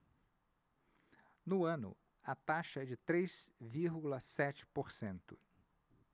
no ano a taxa é de três vírgula sete por cento